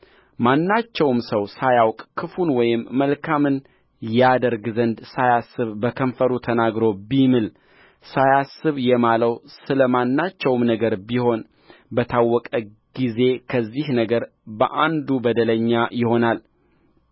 ማናቸውም ሰው ሳያውቅ ክፉን ወይም መልካምን ያደርግ ዘንድ ሳያስብ በከንፈሩ ተናግሮ ቢምል ሳያስብ የማለው ስለ ማናቸውም ነገር ቢሆን በታወቀው ጊዜ ከዚህ ነገር በአንዱ በደለኛ ይሆናል